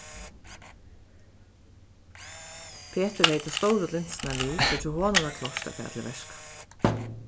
petur hevði ta stóru linsuna við so hjá honum var klárt at fara til verka